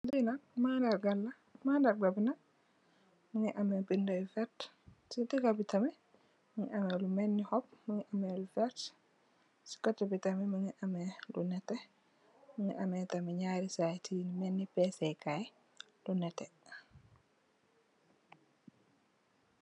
Lee nak manargal la manarga be nak muge ameh beda yu verte se degabe tamin muge ameh lu melne xoop muge ameh lu verte se koteh be tamin muge ameh lu neteh muge ameh tamin nyari sede ye lu melne pese kaye lu neteh.